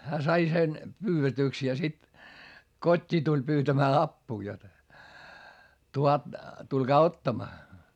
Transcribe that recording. hän sai sen pyydetyksi ja sitten kotiin tuli pyytämään apua jotta tulkaa ottamaan